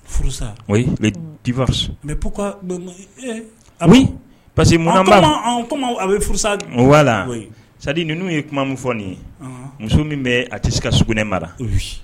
Furu bɛ mɛ parce queha a bɛ furuwa sadi ninnu ye kuma min fɔ nin ye muso min bɛ a tɛ se ka sugunɛɛ mara